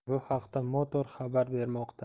bu haqda motor xabar bermoqda